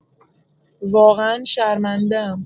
واقعا شرمنده‌ام.